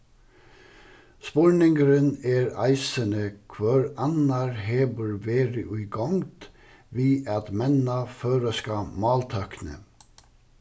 spurningurin er eisini hvør annar hevur verið í gongd við at menna føroyska máltøkni